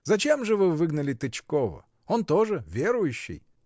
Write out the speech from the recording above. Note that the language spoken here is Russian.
Зачем же вы выгнали Тычкова: он тоже — верующий!